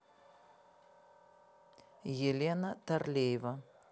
елена тарлеева